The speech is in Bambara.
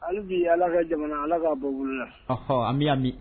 Hali bi ala ka jamana ala k'a bɔ bolola fa fɔ ami bɛ' min